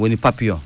woni papillon